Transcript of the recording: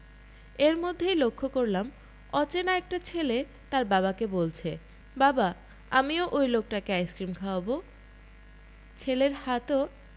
এর মধ্যেই লক্ষ্য করলাম অচেনা একটা ছেলে তার বাবাকে বলছে বাবা আমিও ঐ লোকটাকে আইসক্রিম খাওযাব ছেলের হাতও